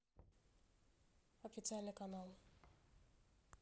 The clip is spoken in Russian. официальный канал